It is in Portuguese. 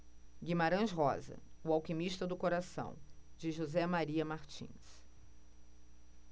guimarães rosa o alquimista do coração de josé maria martins